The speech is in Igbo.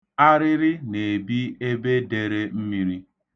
Arịrị na-ebi ebe dere mmiri.